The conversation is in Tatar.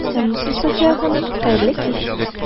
Исәнмесез, Сафия ханым, хәерле кич!